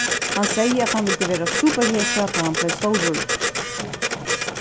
hann segði at hann vildi vera superhetja tá hann bleiv stórur